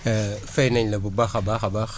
fay nañ la bu baax a baax a baax